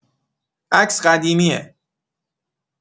عکس قدیمیه.